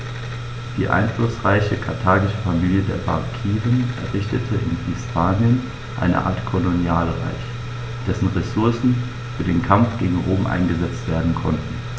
Die einflussreiche karthagische Familie der Barkiden errichtete in Hispanien eine Art Kolonialreich, dessen Ressourcen für den Kampf gegen Rom eingesetzt werden konnten.